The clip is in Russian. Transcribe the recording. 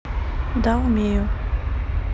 да умею